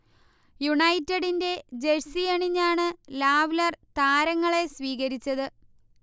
യുണൈറ്റഡിന്റെ ജഴ്സി അണിഞ്ഞാണ് ലാവ്ലെർ താരങ്ങളെ സ്വീകരിച്ചത്